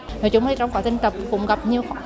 nói chung trong quá trình tập cũng gặp nhiều khó